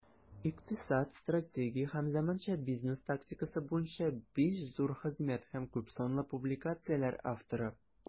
Икътисад, стратегия һәм заманча бизнес тактикасы буенча 5 зур хезмәт һәм күпсанлы публикацияләр авторы.